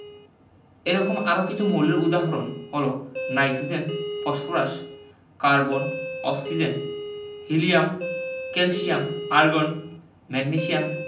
এরকম আরও কিছু মৌলের উদাহরণ হলো nitrogen phosphorus carbon oxygen helium calcium argon magnesium